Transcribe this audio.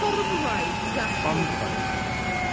Ffarmwraig exactly... Ffarmwraig.